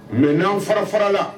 Mɛ n'an fara fara la